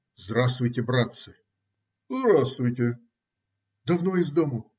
- Здравствуйте, братцы. - Здравствуйте. - Давно из дому?